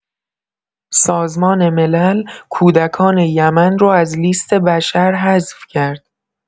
سازمان ملل کودکان یمن رو از لیست بشر حذف کرد.